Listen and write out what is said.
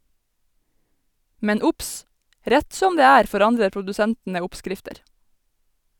Men obs - rett som det er forandrer produsentene oppskrifter.